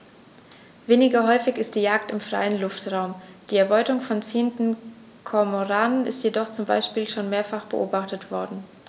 Weniger häufig ist die Jagd im freien Luftraum; die Erbeutung von ziehenden Kormoranen ist jedoch zum Beispiel schon mehrfach beobachtet worden.